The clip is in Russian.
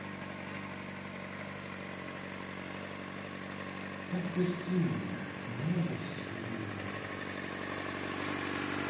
отпусти меня небо синее